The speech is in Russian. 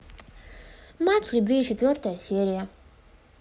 мать любви четвертая серия